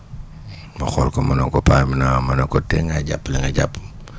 ma xool ko ma ne ko paa mu ne ah ma ne ko tee ngaa jàpp li nga jàpp